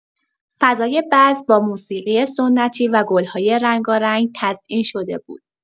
فضای بزم با موسیقی سنتی و گل‌های رنگارنگ تزئین شده بود.